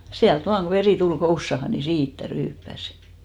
sieltä vain kun veri tuli kousaan niin siitä ryyppäsi